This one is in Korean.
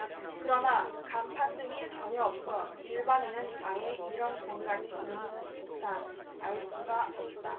그러나 간판 등이 전혀 없어 일반인은 아예 이런 공간이 있는지조차 알 수가 없다